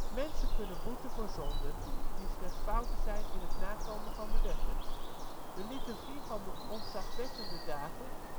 Mensen kunnen boeten voor zonden, die slechts fouten zijn in het nakomen van de wetten. De liturgie van de ' ontzagwekkende dagen